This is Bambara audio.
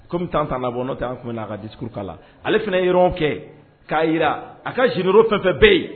Kɔmitantan bɔ n'o tɛ an kun bɛ' a ka dikuru'a la ale fana yɔrɔ kɛ k'a jira a ka jinɛ o fɛn fɛn bɛɛ ye